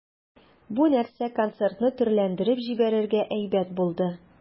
Бу нәрсә концертны төрләндереп җибәрергә әйбәт булды.